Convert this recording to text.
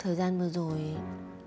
thời gian vừa rồi